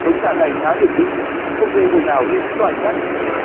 giống gà này khá điềm tĩnh không gây ồn ào như những loài khác